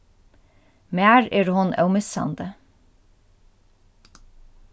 mær er hon ómissandi